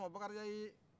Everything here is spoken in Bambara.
o tuma bakarijan y'ii